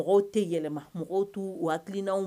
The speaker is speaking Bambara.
Mɔgɔw tɛ yɛlɛma mɔgɔw tun waatikiina